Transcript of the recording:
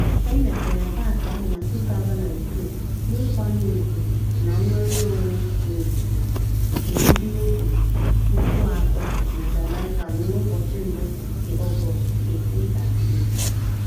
E mepere paakị ahụ na 2002 n'ịkwanye ùgwù na "nnwere onwe n'ozuzu" nke ndị óhù 300,000 na Jamaica n'ụbọchị 1 nke Ọgọọstụ,1838.